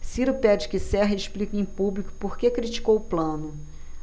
ciro pede que serra explique em público por que criticou plano